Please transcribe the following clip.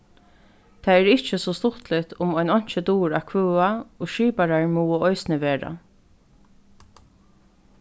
tað er ikki so stuttligt um ein einki dugir at kvøða og skiparar mugu eisini vera